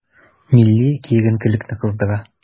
Милли киеренкелекне кыздыра.